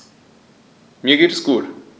Mir geht es gut.